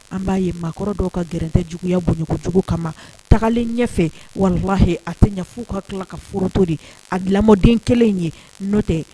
An b'a ye maakɔrɔ dɔw ka gɛrɛtɛ juguyaya bonya kojugu kama tagalen ɲɛfɛ wala a tɛfin ka tila ka foroto de a lamɔden kelen in ye n tɛ